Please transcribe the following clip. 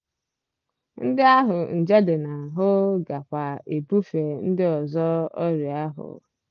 Ndị ahụ nje dị n'ahụ ga-kwa ebufe ndị ọzọ ọrịa ahụ.